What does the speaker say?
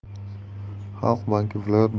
xalq banki viloyat